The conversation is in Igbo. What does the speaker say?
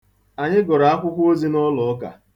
Anyị gụrụ Akwụkwọozi n'ụlọuka.